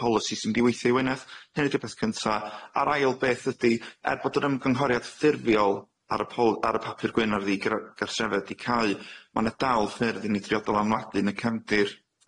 polisi sy'n mynd i weithio i Wwynedd, hynny ydi'r peth cynta a'r ail beth ydi er bod yr ymgynghoriad ffurfiol ar y pol- ar y papur gwyn i gyrra- gersyfed i cau ma' na dal ffyrdd i ni driodd dylanwadu yn y cefndir,